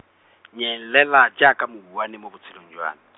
nyelela jaaka mouwane mo botshelong jwa .